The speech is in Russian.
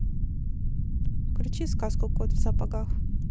включи сказку кот в сапогах